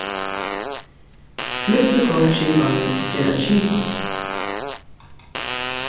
klippikortsskipanin er ein skipan